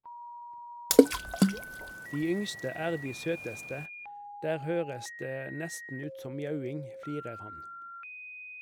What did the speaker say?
De yngste er de søteste, der høres det nesten ut som mjauing, flirer han.